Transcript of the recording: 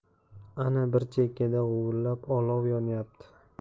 ana bir chekkada guvillab olov yonyapti